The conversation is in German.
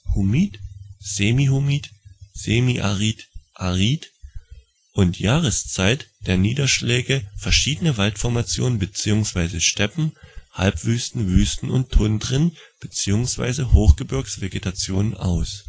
humid, semihumid, semiarid, arid) und Jahreszeit der Niederschläge verschiedene Waldformationen beziehungsweise Steppen, Halbwüsten, Wüsten und Tundren beziehungsweise Hochgebirgsvegetationen aus